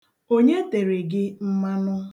Onye tere gị mmanụ?